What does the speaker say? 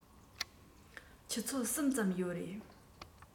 ཆུ ཚོད གསུམ ཙམ ཡོད རེད